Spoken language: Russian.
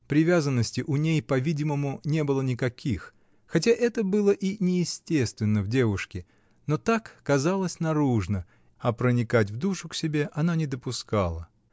Привязанностей у ней, по-видимому, не было никаких, хотя это было и неестественно в девушке: но так казалось наружно, а проникать в душу к себе она не допускала.